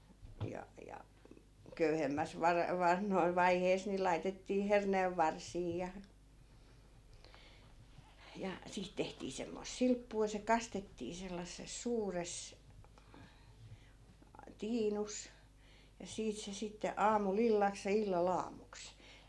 ja ja köyhemmässä -- vaiheessa niin laitettiin herneenvarsia ja ja siitä tehtiin semmoista silppua ja se kastettiin sellaisessa suuressa tiinussa ja siitä se sitten aamulla illaksi ja illalla aamuksi